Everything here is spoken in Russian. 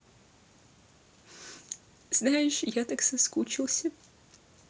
знаешь я так соскучился